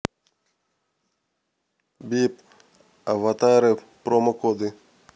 beep аватары промо коды